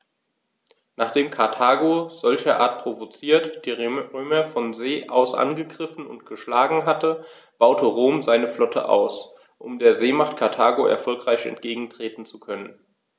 Nachdem Karthago, solcherart provoziert, die Römer von See aus angegriffen und geschlagen hatte, baute Rom seine Flotte aus, um der Seemacht Karthago erfolgreich entgegentreten zu können.